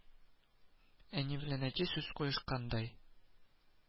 Әни белән әти, сүз куешкандай: